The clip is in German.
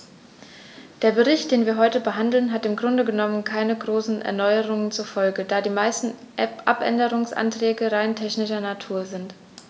Der Bericht, den wir heute behandeln, hat im Grunde genommen keine großen Erneuerungen zur Folge, da die meisten Abänderungsanträge rein technischer Natur sind.